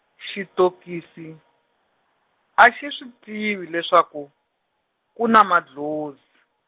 xitokisi, a xi swi tivi leswaku, ku ni mandlhozi.